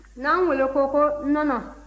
na ngolo ko ko nɔnɔ